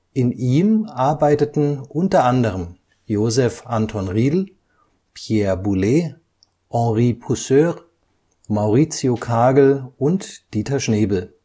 In ihm arbeiteten unter anderem Josef Anton Riedl, Pierre Boulez, Henri Pousseur, Mauricio Kagel und Dieter Schnebel